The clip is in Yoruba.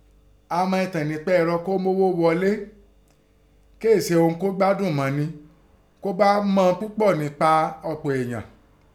Àmọ́, ẹ̀tàn únpa ẹ̀rọ kọ́ mín móghó ọléèé se ihún gbadùn mọ́ni kọ́ ọ bá mọ pípọ̀ sẹ́ẹ únpa ọ̀pọ̀ ọ̀ǹyàn.